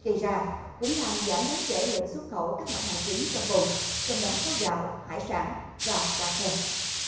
gây ra cũng làm giảm đáng kể lượng xuất khẩu các mặt hàng chính trong vùng trong đó có gạo hải sản và cà phê